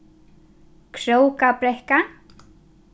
krókabrekka